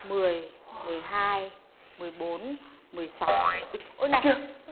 mười mười hai mười bốn mười sáu ôi này